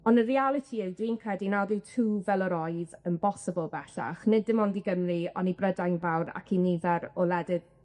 On' y realiti yw dwi'n credu nad yw twf fel yr oedd yn bosibyl bellach, nid dim ond i Gymru on' i Brydain Fawr ac i nifer o wledydd